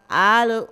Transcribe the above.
Aali